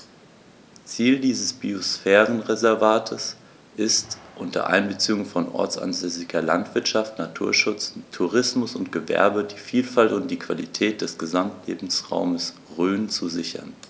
Ziel dieses Biosphärenreservates ist, unter Einbeziehung von ortsansässiger Landwirtschaft, Naturschutz, Tourismus und Gewerbe die Vielfalt und die Qualität des Gesamtlebensraumes Rhön zu sichern.